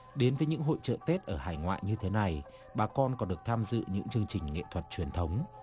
đến với những hội chợ tết ở hải ngoại như thế này bà con còn được tham dự những chương trình nghệ thuật truyền thống